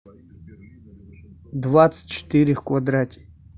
двадцать четыре в квадрате